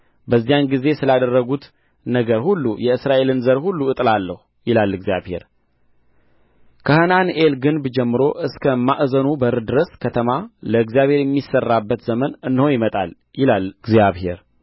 በዚያን ጊዜ ስላደረጉት ነገር ሁሉ የእስራኤልን ዘር ሁሉ እጥላለሁ ይላል እግዚአብሔር ከሐናንኤል ግንብ ጀምሮ እስከ ማዕዘኑ በር ድረስ ከተማ ለእግዚአብሔር የሚሠራበት ዘመን እነሆ ይመጣል ይላል እግዚአብሔር